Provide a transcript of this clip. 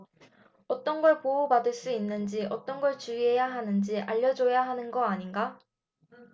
어떤 걸 보호받을 수 있는지 어떤 걸 주의해야 하는지 알려줘야 하는 거 아닌가